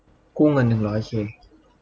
กู้เงินหนึ่งร้อยเค